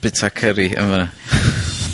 bita cyrri yn fynna.